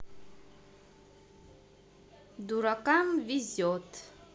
дуракам везет